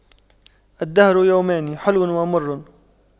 الدهر يومان حلو ومر